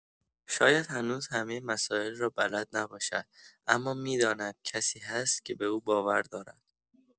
شاید هنوز همه مسائل را بلد نباشد اما می‌داند کسی هست که به او باور دارد.